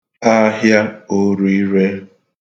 ahịa orirē